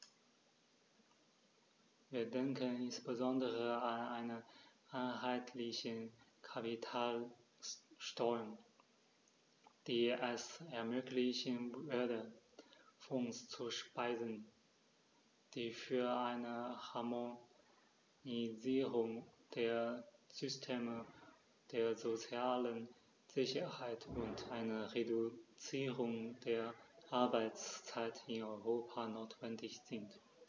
Wir denken insbesondere an eine einheitliche Kapitalsteuer, die es ermöglichen würde, Fonds zu speisen, die für eine Harmonisierung der Systeme der sozialen Sicherheit und eine Reduzierung der Arbeitszeit in Europa notwendig sind.